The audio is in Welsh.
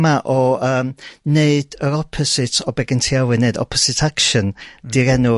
ma' o yym neud yr opposite o be genti awydd neud opposite action